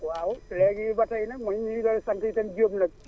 waaw léegi ba tey nag ñoom ñu ngi doon sant i tam Diop nag